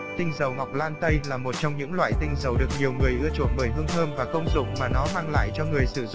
tinh dầu ngọc lan tây là một trong những loại tinh dầu được nhiều người ưa chuộng bởi hương thơm và công dụng mà nó mang lại cho người sử dụng